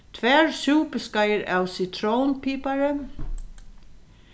tvær súpiskeiðir av sitrónpipari